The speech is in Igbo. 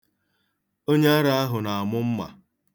Onyeara ahụ na-amụ mma.